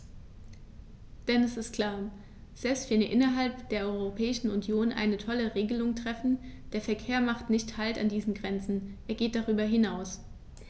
Denn es ist klar: Selbst wenn wir innerhalb der Europäischen Union eine tolle Regelung treffen, der Verkehr macht nicht Halt an diesen Grenzen, er geht darüber hinaus.